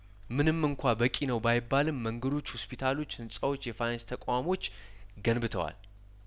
ምንም እንኳ በቂ ነው ባይባልም መንገዶች ሆስፒታሎች ህንጻዎች የፋይናንስ ተቋሞች ገንብተዋል